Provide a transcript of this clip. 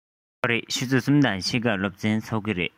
ཡོད རེད ཆུ ཚོད གསུམ དང ཕྱེད ཀར སློབ ཚན ཚུགས ཀྱི རེད